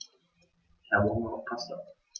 Ich habe Hunger auf Pasta.